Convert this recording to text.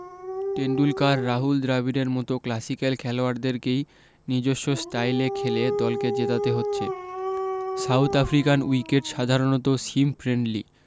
টেন্ডুলকার রাহুল দ্রাবিড়ের মত ক্ল্যাসিক্যাল খেলোয়াড়দেরকেই নিজস্ব স্টাইলে খেলে দলকে জেতাতে হচ্ছে সাউথ আফ্রিকান উইকেট সাধারণত সিম ফ্রেন্ডলি